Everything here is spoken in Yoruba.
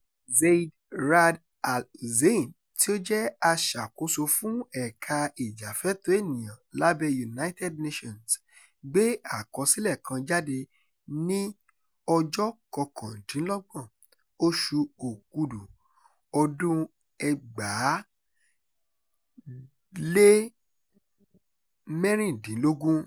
Zeid Ra'ad Al Hussein, tí ó jẹ́ aṣàkóso fún ẹ̀ka ìjàfẹ́tọ̀ọ́ ènìyàn lábẹ́ United Nations gbé àkọsílẹ̀ kan jáde ní 29, oṣù Òkúdù 2016.